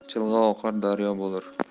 jilg'a oqar daryo bo'lur